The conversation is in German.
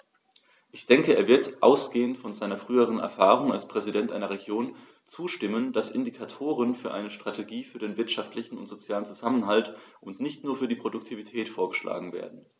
Ich denke, er wird, ausgehend von seiner früheren Erfahrung als Präsident einer Region, zustimmen, dass Indikatoren und eine Strategie für den wirtschaftlichen und sozialen Zusammenhalt und nicht nur für die Produktivität vorgeschlagen werden.